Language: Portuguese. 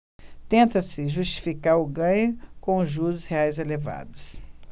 tenta-se justificar o ganho com os juros reais elevados